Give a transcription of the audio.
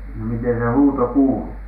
no miten se huuto kuului